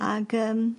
ag yym